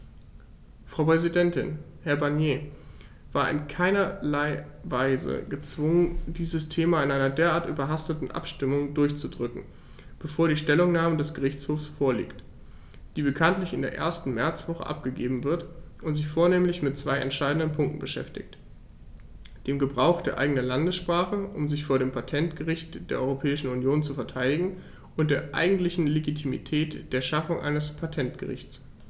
Frau Präsidentin, Herr Barnier war in keinerlei Weise gezwungen, dieses Thema in einer derart überhasteten Abstimmung durchzudrücken, bevor die Stellungnahme des Gerichtshofs vorliegt, die bekanntlich in der ersten Märzwoche abgegeben wird und sich vornehmlich mit zwei entscheidenden Punkten beschäftigt: dem Gebrauch der eigenen Landessprache, um sich vor dem Patentgericht der Europäischen Union zu verteidigen, und der eigentlichen Legitimität der Schaffung eines Patentgerichts.